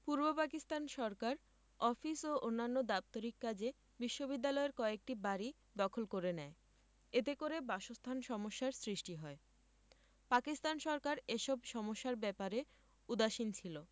পূর্ব পাকিস্তান সরকার অফিস ও অন্যান্য দাপ্তরিক কাজে বিশ্ববিদ্যালয়ের কয়েকটি বাড়ি দখল করে নেয় এতে করে বাসস্থান সমস্যার সৃষ্টি হয় পাকিস্তান সরকার এসব সমস্যার ব্যাপারে উদাসীন ছিল